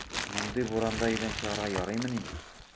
Мондый буранда өйдән чыгарга ярыймыни!